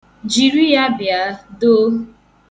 Jiri ya bịa, doo.